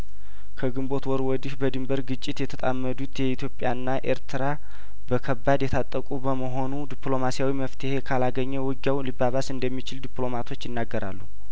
ከግንቦት ወር ወዲህ በድንበር ግጭት የተጣመዱት ኢትዮጵያና ኤርትራ በከባድ የታጠቁ በመሆኑ ዲፕሎማሲያዊ መፍትሄ ካላገኘ ውጊያው ሊባባስ እንደሚችል ዲፕሎማቶች ይናገራሉ